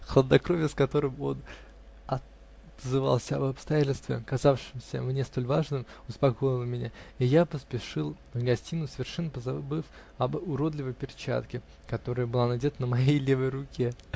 Хладнокровие, с которым он отзывался об обстоятельстве, казавшемся мне столь важным, успокоило меня, и я поспешил в гостиную, совершенно позабыв об уродливой перчатке, которая была надета на моей левой руке.